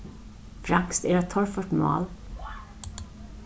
franskt er eitt torført mál